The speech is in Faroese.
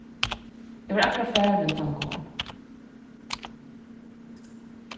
eg var akkurát farin tá hann kom